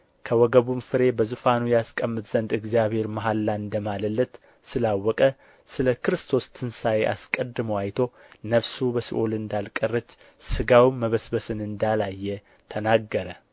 ከወገቡም ፍሬ በዙፋኑ ያስቀምጥ ዘንድ እግዚአብሔር መሐላ እንደ ማለለት ስለ አወቀ ስለ ክርስቶስ ትንሣኤ አስቀድሞ አይቶ ነፍሱ በሲኦል እንዳልቀረች ሥጋውም መበስበስን እንዳላየ ተናገረ